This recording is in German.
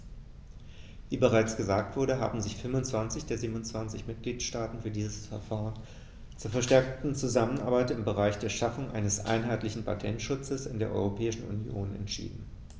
Wie bereits gesagt wurde, haben sich 25 der 27 Mitgliedstaaten für dieses Verfahren zur verstärkten Zusammenarbeit im Bereich der Schaffung eines einheitlichen Patentschutzes in der Europäischen Union entschieden.